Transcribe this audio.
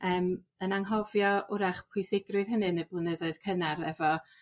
yym yn anghofio 'w'rach pwysigrwydd hynny yn y blynyddoedd cynnar efo